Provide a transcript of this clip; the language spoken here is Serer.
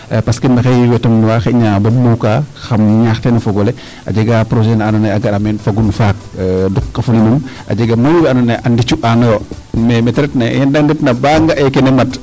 parce que maxey wetam waa xayna bom muuka xam ñaax teen o fogole a jega projet naa ando naye a gara meene fagun faak nduq falinum a jega mayu waa ando anye a ndicu aanoyo mais yeete ret na baa nga'e kkene mat